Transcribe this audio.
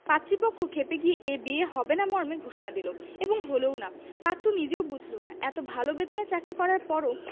পাত্রীপক্ষ খেপে গিয়ে এ বিয়ে হবে না মর্মে ঘোষণা দিল এবং হলোও না পাত্র নিজেও বুঝল না এত ভালো বেতনে চাকরি করার পরও